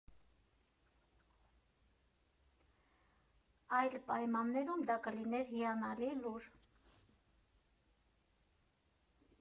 Այլ պայմաններում դա կլիներ հիանալի լուր։